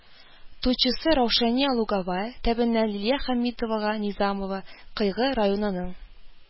Тучысы раушания луговая), тәбеннән лилия хәмитовага низамова), кыйгы районының